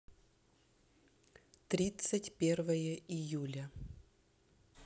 тридцать первое июля